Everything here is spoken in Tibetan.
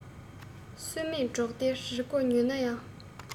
སུན མེད འབྲོག སྡེའི རི སྒོ ཉུལ ན ཡང